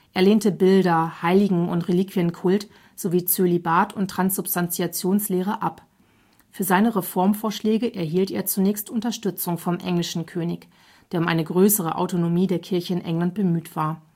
lehnte Bilder -, Heiligen - und Reliquienkult sowie Zölibat und Transsubstantiationslehre ab. Für seine Reformvorschläge erhielt er zunächst Unterstützung vom englischen König, der um eine größere Autonomie der Kirche in England bemüht war